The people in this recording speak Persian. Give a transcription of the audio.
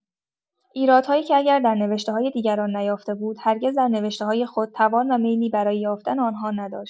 ایرادهایی که اگر در نوشته‌های دیگران نیافته بود، هرگز در نوشته‌های خود توان و میلی برای یافتن آن‌ها نداشت!